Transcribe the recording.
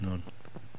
noon